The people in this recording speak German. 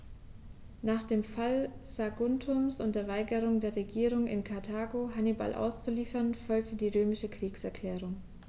Nach dem Fall Saguntums und der Weigerung der Regierung in Karthago, Hannibal auszuliefern, folgte die römische Kriegserklärung.